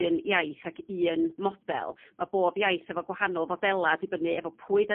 un iaith ag un model ma' bob iaith efo gwahanol fodela' dibynnu efo pwy 'da